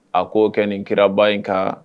A koo kɛ nin kiraba in kan